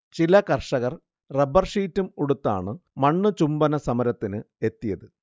ചില കർഷകർ റബ്ബർഷീറ്റും ഉടുത്താണ് മണ്ണ് ചുംബന സമരത്തിന് എത്തിയത്